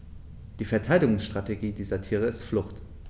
Die Verteidigungsstrategie dieser Tiere ist Flucht.